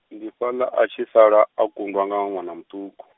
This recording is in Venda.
ndi fhaḽa a tshi sala, a kundwa nga ṅwana muṱuku.